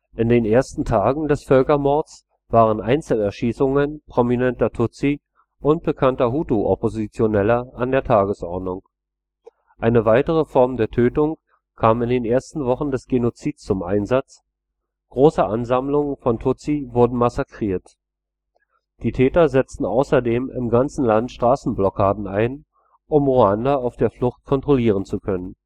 In den ersten Tagen des Völkermords waren Einzelerschießungen prominenter Tutsi und bekannter Hutu-Oppositioneller an der Tagesordnung. Eine weitere Form der Tötung kam in den ersten Wochen des Genozids zum Einsatz – große Ansammlungen von Tutsi wurden massakriert. Die Täter setzten außerdem im ganzen Land Straßenblockaden ein, um Ruander auf der Flucht kontrollieren zu können